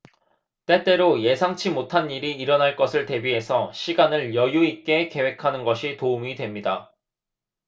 때때로 예상치 못한 일이 일어날 것을 대비해서 시간을 여유 있게 계획하는 것이 도움이 됩니다